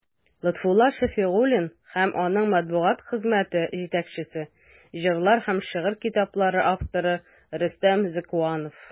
Лотфулла Шәфигуллин һәм аның матбугат хезмәте җитәкчесе, җырлар һәм шигырь китаплары авторы Рөстәм Зәкуанов.